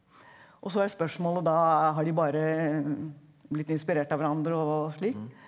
og så er spørsmålet da har de bare blitt inspirert av hverandre og slik?